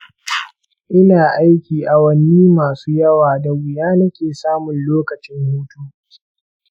ina aiki awanni masu yawa da wuya nake samun lokacin hutu.